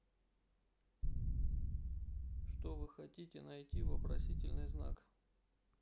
что вы хотите найти вопросительный знак